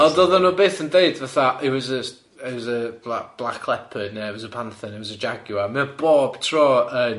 Ond oedden nhw byth yn deud fatha he was a s- he was a b- black leopard or he was a panther or he was a jaguar mae o bob tro yn